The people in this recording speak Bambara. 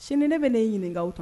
Sini ne bɛ' ɲininkakaw